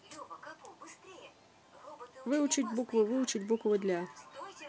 выучить буквы выучить буквы для